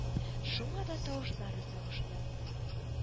Шуңа да тавышлары сагышлы